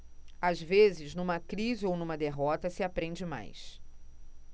às vezes numa crise ou numa derrota se aprende mais